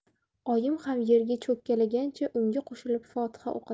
oyim ham yerga cho'kkalagancha unga qo'shilib fotiha o'qidi